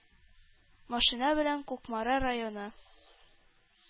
Машина белән Кукмара районы,